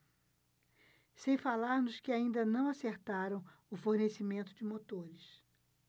sem falar nos que ainda não acertaram o fornecimento de motores